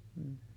mm